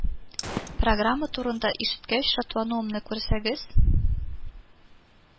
Программа турында ишеткәч шатлануымны күрсәгез